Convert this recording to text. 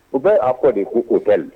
U bɛ'a kɔ de ko o tɛli